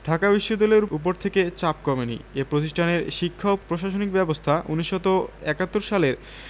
ঢাকা বিশ্ববিদ্যালয়ের ওপর থেকে চাপ কমেনি এ প্রতিষ্ঠানের শিক্ষা ও প্রশাসনিক ব্যবস্থা ১৯৭১ সালের